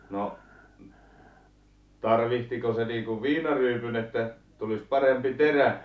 no tarvitsiko se niin kuin viinaryypyn että tulisi parempi terä